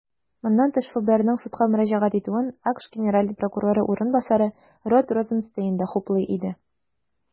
Моннан тыш, ФБРның судка мөрәҗәгать итүен АКШ генераль прокуроры урынбасары Род Розенстейн да хуплый иде.